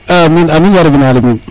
amiin amiin yarabin alamin